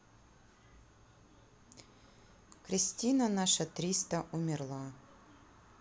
кристина наша триста умерла